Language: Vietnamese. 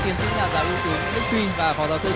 huy và phó giáo sư